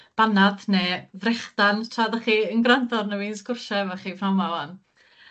banad ne' frechdan tra 'dach chi yn gwrando arno fi yn sgwrsio efo chi pr'awn 'ma ŵan.